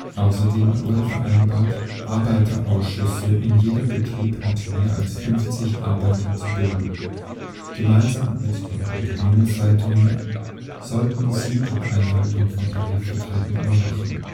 Außerdem wurde vereinbart, Arbeiterausschüsse in jedem Betrieb mit mehr als 50 Arbeitern zu bilden. Gemeinsam mit den Unternehmensleitungen sollten sie die Einhaltung von Tarifverträgen überwachen